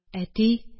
Әти